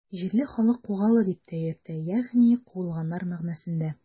Җирле халык Кугалы дип тә йөртә, ягъни “куылганнар” мәгънәсендә.